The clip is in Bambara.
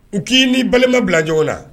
U k'i ni balima bilaj na